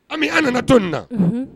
Ami an nana to nin na unhun